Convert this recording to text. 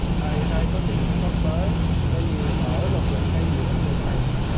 à hiện nay có những phương pháp mới thay vì mở lồng ngực ca giữa ngực này